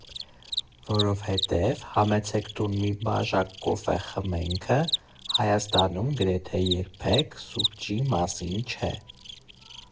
Որովհետև «համեցեք տուն՝ մի բաժակ կոֆե խմենք»֊ը Հայաստանում գրեթե երբեք սուրճի մասին չէ։